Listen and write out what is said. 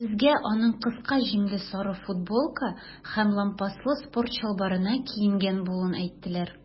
Безгә аның кыска җиңле сары футболка һәм лампаслы спорт чалбарына киенгән булуын әйттеләр.